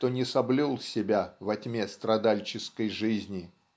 кто не соблюл себя во тьме страдальческой жизни.